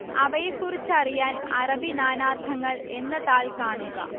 അവയെക്കുറിച്ചറിയാൻ അറബി നാനാർത്ഥങ്ങൾ എന്ന താൾ കാണുക